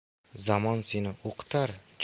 zamon seni o'qitar